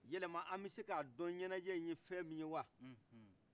yɛlɛma an bi se ka dɔn ɲɛnɛjɛ ye fɛn min ye wa